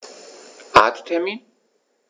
Arzttermin